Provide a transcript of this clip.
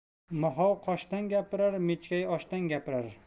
moxov qoshdan gapirar mechkay oshdan gapirar